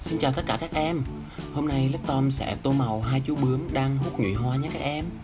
xin chào tất cả các em hôm nay love tom sẽ tô màu hai chú bướm đang hút nhụy hoa nhé các em